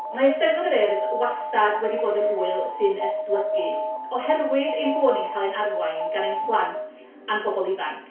Mae Eisteddfod yr Urdd wastad wedi bod yn ŵyl sy'n esblygu oherwydd ein bod ni'n cael ein harwain gan ein plant a'n pobl ifanc.